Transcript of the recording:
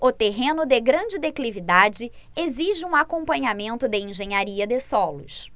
o terreno de grande declividade exige um acompanhamento de engenharia de solos